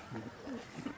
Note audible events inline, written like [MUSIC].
[HESITATION] [HESITATION]